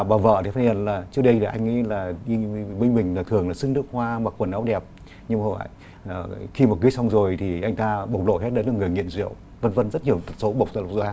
bà vợ phát hiện là trước đây anh là đi với mình thường là sức nước hoa mặc quần áo đẹp nhưng họ khi mà cưới xong rồi thì anh ta bộc lộ hết những người nghiện rượu vân vân rất nhiều tật xấu bộc lộ ra